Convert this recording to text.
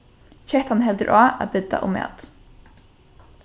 kettan heldur á at bidda um mat